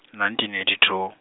nineteen eighty two.